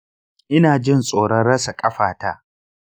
ina jin tsoron rasa ƙafata.